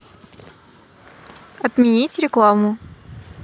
отменить рекламу